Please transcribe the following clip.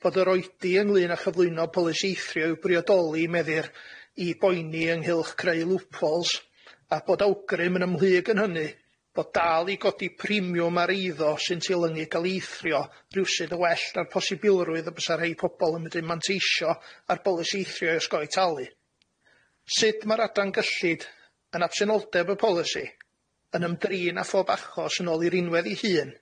bod yr oedi ynglŷn â chyflwyno polisi eithrio i'w briodoli meddir i boeni ynghylch creu lwpols, a bod awgrym yn ymhlug yn hynny, bod dal i godi premiwm ar eiddo sy'n teilyngu ga'l 'i eithrio rywsud yn well na'r posibilrwydd y bysa rhei pobol yn medru manteisho ar bolisi eithrio i osgoi talu, sud ma'r adran gyllid yn absenoldeb y polisi yn ymdrin â phob achos yn ôl 'i rinwedd 'i hun